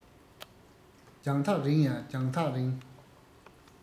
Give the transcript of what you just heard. རྒྱང ཐག རིང ཡ རྒྱང ཐག རིང